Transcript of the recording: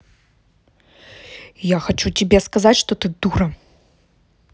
я хочу тебе сказать что ты дура